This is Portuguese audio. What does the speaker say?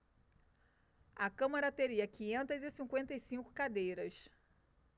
a câmara teria quinhentas e cinquenta e cinco cadeiras